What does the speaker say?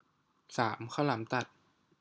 สามข้าวหลามตัด